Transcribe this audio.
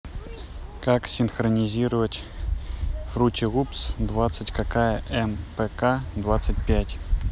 как синхронизировать фрутилупс двадцать какая мпк двадцать пять